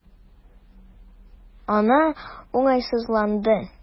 Анна уңайсызланды.